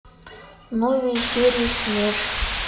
новые серии смерш